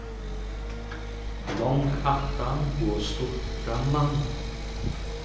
long aftan og stutt framman